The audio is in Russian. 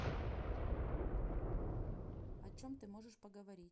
о чем ты можешь поговорить